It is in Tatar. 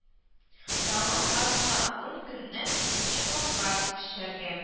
Тагын атна-ун көннән икенче катка төшәргә